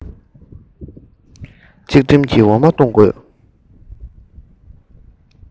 གཅིག སྒྲིམ གྱིས འོ མ བཏུང དགོས